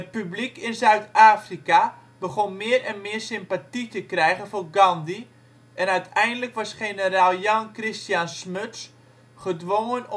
publiek in Zuid-Afrika begon meer en meer sympathie te krijgen voor Gandhi en uiteindelijk was generaal Jan Christian Smuts gedwongen